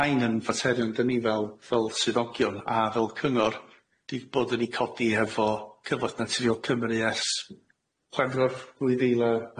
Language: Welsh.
Ma' hain yn faterion dyn ni fel fel swyddogion a fel cyngor di- boddwn ni codi hefo cyfath naturol Cymru ers Chwefror flwy fil a dau ddeg dau ac ers hynny ia?